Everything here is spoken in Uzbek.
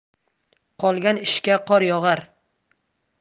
qolgan ishga qor yog'ar